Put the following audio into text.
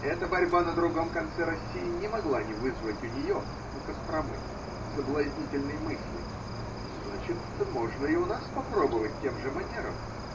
Эта борьба на другом конце России не могла не вызывать у нее, Костромы, соблазнительной мысли: значит, можно и у нас попробовать тем же манером?